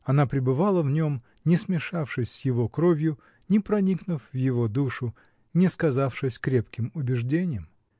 она пребывала в нем, не смешавшись с его кровью, не проникнув в его душу, не сказавшись крепким убежденьем.